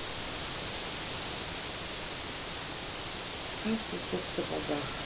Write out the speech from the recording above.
сказка кот в сапогах